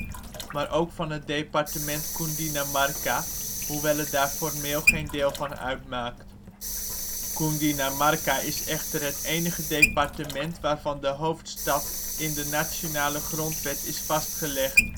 van het departement Cundinamarca, hoewel het daar formeel geen deel van uitmaakt. Cundinamarca is echter het enige departement waarvan de hoofdstad in de nationale grondwet is vastgelegd